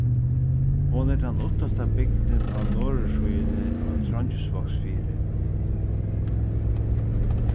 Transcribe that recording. hon er tann uttasta bygdin á norðursíðuni á trongisvágsfirði